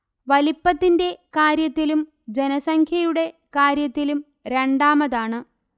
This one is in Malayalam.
വലിപ്പത്തിന്റെ കാര്യത്തിലും ജനസംഖ്യയുടെ കാര്യത്തിലും രണ്ടാമതാണ്